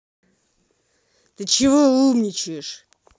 ты чего умничаешь